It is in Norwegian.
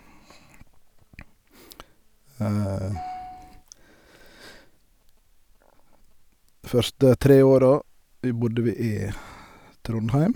Første tre åra i bodde vi i Trondheim.